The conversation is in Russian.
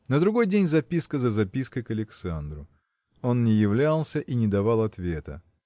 На другой день записка за запиской к Александру. Он не являлся и не давал ответа.